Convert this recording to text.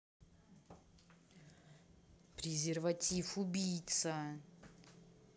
презерватив убийца